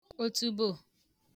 otuboò